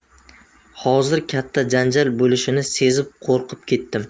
hozir katta janjal bo'lishini sezib qo'rqib ketdim